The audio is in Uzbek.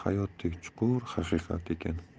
hayotdek chuqur haqiqat ekan